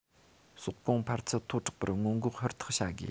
ཟོག གོང འཕར ཚད མཐོ དྲགས པར སྔོན འགོག ཧུར ཐག བྱ དགོས